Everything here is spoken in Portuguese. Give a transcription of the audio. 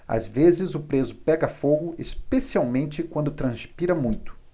às vezes o preso pega fogo especialmente quando transpira muito